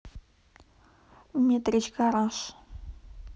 митрич гараж